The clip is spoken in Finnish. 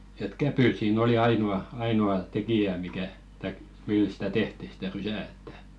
että kävyt siinä oli ainoa ainoa tekijä mikä tai millä sitä tehtiin sitä rysää että